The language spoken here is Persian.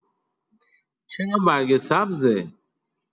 چرا برگ سبزه؟